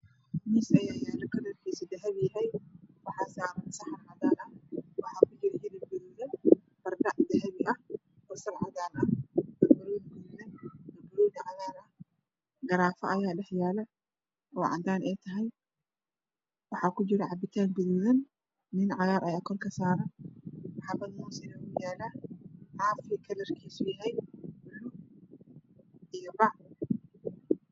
Mis ayaa yalo kalarkisa dahabi yahay waxaa saran saxan cadan ah waxakujira hilib gadud ah bardho dahabi ah basal cadanah barbaroni gaduudanb barbaroni cagaran garafo ayadhayalo ocadan aytahay waxakujira cabitan gaduudan Liin cagaran ayaadulsaran xabad Mos ah na wuuyaala caafi kalarkisu yahay bulu iyo bac